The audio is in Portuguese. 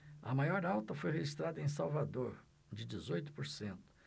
a maior alta foi registrada em salvador de dezoito por cento